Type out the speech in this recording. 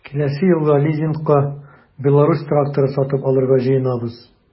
Киләсе елга лизингка “Беларусь” тракторы сатып алырга җыенабыз.